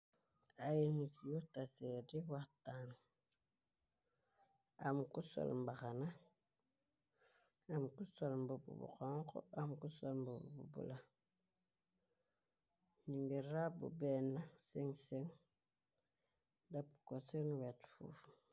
Ay nit yu tasee di waxtaan am ku sol mbaxana am ku sol mbopp bu xonku am ku sol mbopp bu bula ni ngir rab bu benne singsen def ko seen wet fofu.